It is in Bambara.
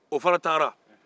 o fana taara